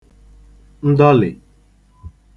ndọlị̀